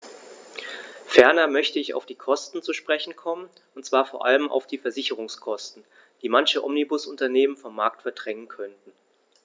Ferner möchte ich auf die Kosten zu sprechen kommen, und zwar vor allem auf die Versicherungskosten, die manche Omnibusunternehmen vom Markt verdrängen könnten.